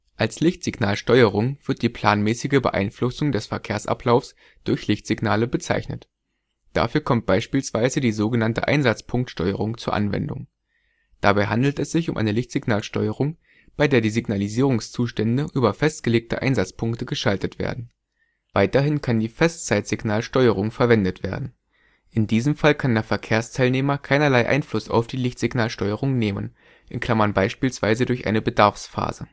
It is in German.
Als Lichtsignalsteuerung wird die planmäßige Beeinflussung des Verkehrsablaufs durch Lichtsignale bezeichnet. Dafür kommt beispielsweise die so genannte Einsatzpunktsteuerung zur Anwendung. Dabei handelt es sich um eine Lichtsignalsteuerung, bei der die Signalisierungszustände über festgelegte Einsatzpunkte geschaltet werden. Weiterhin kann die Festzeitsignalsteuerung verwendet werden. In diesem Fall kann der Verkehrsteilnehmer keinerlei Einfluss auf die Lichtsignalsteuerung nehmen (beispielsweise durch eine Bedarfsphase